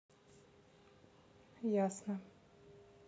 ясно